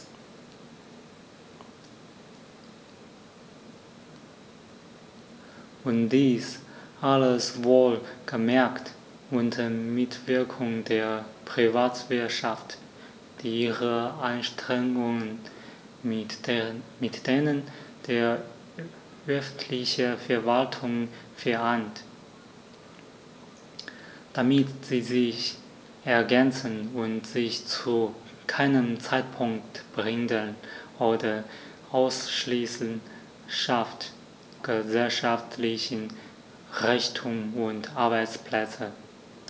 Und dies alles - wohlgemerkt unter Mitwirkung der Privatwirtschaft, die ihre Anstrengungen mit denen der öffentlichen Verwaltungen vereint, damit sie sich ergänzen und sich zu keinem Zeitpunkt behindern oder ausschließen schafft gesellschaftlichen Reichtum und Arbeitsplätze.